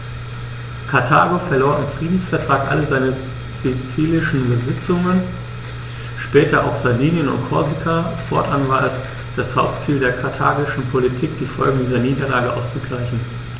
Karthago verlor im Friedensvertrag alle seine sizilischen Besitzungen (später auch Sardinien und Korsika); fortan war es das Hauptziel der karthagischen Politik, die Folgen dieser Niederlage auszugleichen.